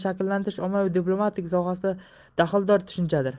shakllantirish ommaviy diplomatiya sohasiga daxldor tushunchadir